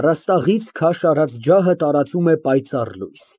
Առաստաղից քաշ արած ջահը տարածում է պայծառ լույս։